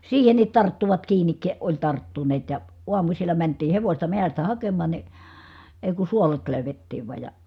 siihenkin tarttuvat kiinni oli tarttuneet ja aamusilla mentiin hevosta metsästä hakemaan niin ei kun suolet löydettiin vain ja